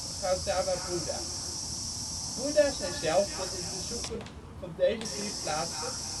van Gautama Boeddha. Boeddha zei zelf dat het bezoeken van deze vier plaatsen